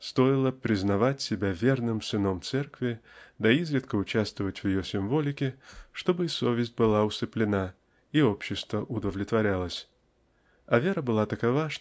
стоило признавать себя верным сыном церкви да изредка участвовать в ее символике чтобы и совесть была усыплена и общество удовлетворялось. А вера была такова